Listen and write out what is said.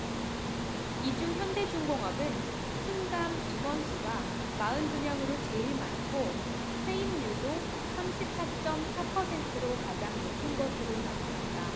이 중 현대중공업은 순감 임원수가 마흔 두 명으로 제일 많고 퇴임률도 삼십 사 쩜 사 퍼센트로 가장 높은 것으로 나타났다